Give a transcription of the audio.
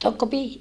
tokko -